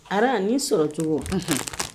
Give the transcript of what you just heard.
A'i sɔrɔ cogo